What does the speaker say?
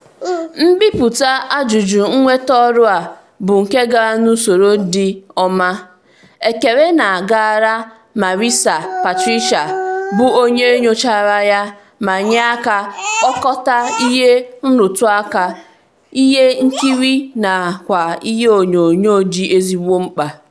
Mbipụta ajụjụ mnweta orụ a bụ nke gara n'usoro dị ọma, ekele na-agara Marisa Petricca, bụ onye nyochara yá ma nye aka kpokota ihe nrụtụaka, ihe nkiri nakwa ihe onyonyo dị ezigbo mkpa.